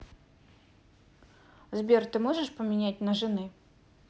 сбер ты можешь поменять на жены